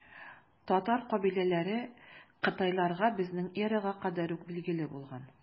Татар кабиләләре кытайларга безнең эрага кадәр үк билгеле булган.